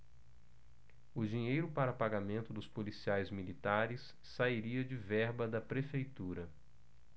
o dinheiro para pagamento dos policiais militares sairia de verba da prefeitura